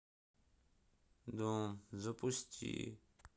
дом запусти